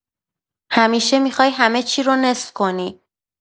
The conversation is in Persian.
همیشه می‌خوای همه‌چی رو نصف کنی.